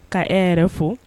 Ka e yɛrɛ fo